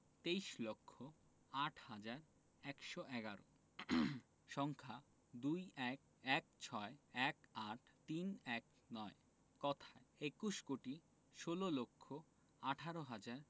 তেইশ লক্ষ আট হাজার একশো এগারো সংখ্যা ২১১৬১৮৩১৯ কথায় একুশ কোটি ষোল লক্ষ আঠারো হাজার